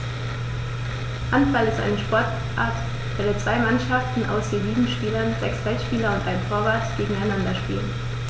Handball ist eine Sportart, bei der zwei Mannschaften aus je sieben Spielern (sechs Feldspieler und ein Torwart) gegeneinander spielen.